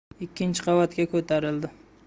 ikkinchi qavatga ko'tarildi